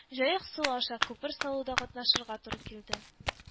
Җаек суы аша күпер салуда катнашырга туры килде